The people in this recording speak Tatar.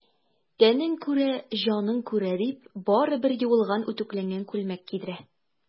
Тәнең күрә, җаның күрә,— дип, барыбер юылган, үтүкләнгән күлмәк кидерә.